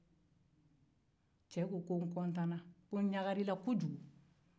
ce ko ko n ɲagalila kojugu